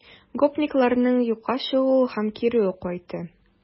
Гопникларның юкка чыгуы һәм кире кайтуы